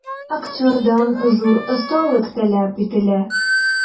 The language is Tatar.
Актердан зур осталык таләп ителә.